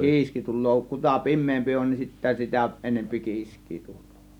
kiiski tulee kuta pimeämpi on niin sitten sitä enemmän kiiskeä tulee